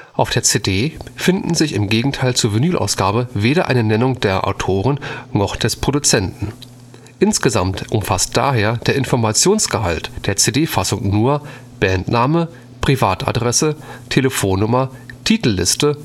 Auf der CD finden sich im Gegensatz zur Vinyl-Ausgabe weder eine Nennung der Autoren noch des Produzenten. Insgesamt umfasst daher der Informationsgehalt der CD-Fassung nur: Bandname, Privatadresse, Telefonnummer, Titelliste